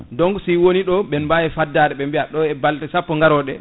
donc si woni ɗo ɓe mbawi faddade ɓe biya ɗo e balɗe sappo garoɗe